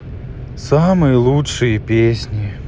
самые лучшие песни